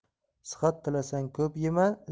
sihat tilasang ko'p yema